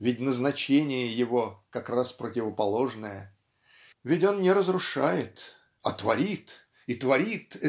Ведь назначение его - как раз противоположное. Ведь он не разрушает а творит и творит